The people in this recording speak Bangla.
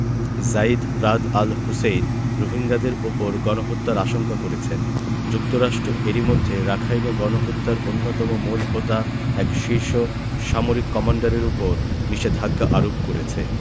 যায়িদ রাদ আল হোসেইন রোহিঙ্গাদের ওপর গণহত্যার আশঙ্কা করেছেন যুক্তরাষ্ট্র এরই মধ্যে রাখাইনে গণহত্যার অন্যতম মূল হোতা এক শীর্ষ সামরিক কমান্ডারের ওপর নিষেধাজ্ঞা আরোপ করেছে